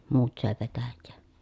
muut söi petäjää